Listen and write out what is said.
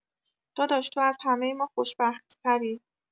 داداش تو از همه ما خوشبخت‌تری